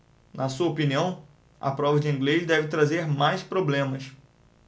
na sua opinião a prova de inglês deve trazer mais problemas